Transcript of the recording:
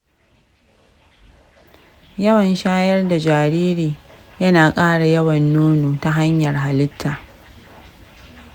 yawan shayar da jariri yana ƙara yawan nono ta hanyar halitta.